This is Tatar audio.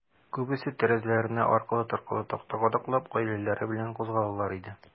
Күбесе, тәрәзәләренә аркылы-торкылы такта кадаклап, гаиләләре белән кузгалалар иде.